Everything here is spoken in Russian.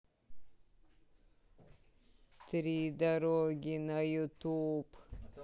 три дороги на ютуб